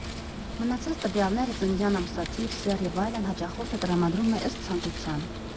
Մնացած տվյալները՝ ծննդյան ամսաթիվ, սեռ և այլն, հաճախորդը տրամադրում է ըստ ցանկության։